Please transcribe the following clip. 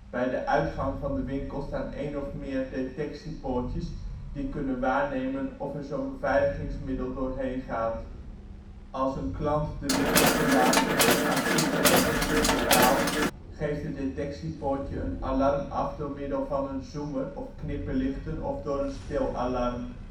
Bij de uitgang van de winkel staan een of meer detectiepoortjes die kunnen waarnemen als er zo 'n beveiligingsmiddel doorheen gaat. Als een klant de winkel verlaat met een artikel dat niet is betaald, geeft het detectiepoortje een alarm af door middel van een zoemer of knipperlichten of door een stil alarm